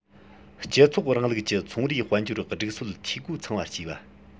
སྤྱི ཚོགས རིང ལུགས ཀྱི ཚོང རའི དཔལ འབྱོར སྒྲིག སྲོལ འཐུས སྒོ ཚང བ བྱས པ